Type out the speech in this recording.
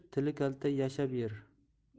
tili kalta yashab yer